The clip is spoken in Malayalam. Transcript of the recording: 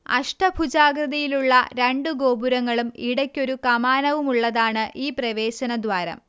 അഷ്ടഭുജാകൃതിയിലുള്ള രണ്ടു ഗോപുരങ്ങളും ഇടയ്ക്കൊരു കമാനവമുള്ളതാണ് ഈ പ്രവേശനദ്വാരം